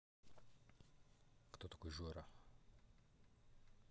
кто такой жора